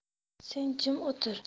sen jim o'tir